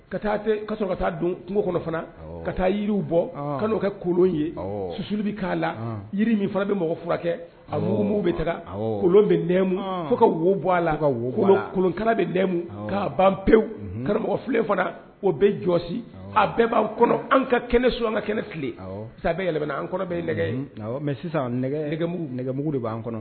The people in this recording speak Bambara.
Ka taa ka sɔrɔ ka taa don kungo kɔnɔ fana ka taa yiriw bɔ kao kɛ kolon ye susu bɛ k'a la jiri min fana bɛ mɔgɔ furakɛ kɛ a mugu bɛ taga kolon bɛ nɛmu fo ka wo bɔ a la ka wo kolonkala bɛ nɛmu k'a ban pewu karamɔgɔ filen fana o bɛ jɔ a bɛɛ b'a kɔnɔ an ka kɛnɛ su an ka kɛnɛ filɛ sa bɛ yɛlɛ an kɔnɔ bɛ nɛgɛ mɛ sisan nɛgɛ nɛgɛugu de b'an kɔnɔ